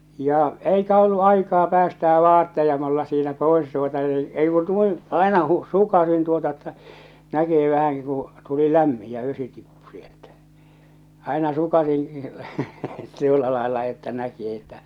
ja eikä ollut aikaa päästää vaatteita minulla siinä pois tuota niin ei kun noin aina - sukaisin tuota että näkisi vähänkin kun tuli lämmin ja vesi tippui sieltä aina sukaisin tuolla lailla että näki että